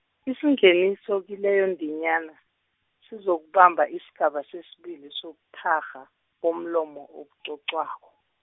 isingeniso kileyondinyana, sizokubamba isigaba sesibili sobuthakgha, bomlomo obucocwako.